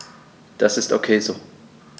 Das ist ok so.